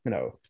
You know?